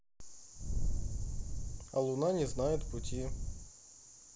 а луна не знает пути